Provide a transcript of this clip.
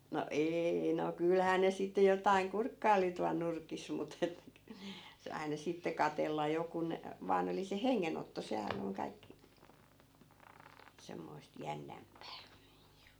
no ei no kyllähän ne sitten jotakin kurkkaili tuolla nurkissa mutta että - se aina sitten katsella jo kun vain oli se hengenotto sehän on kaikki semmoista jännempää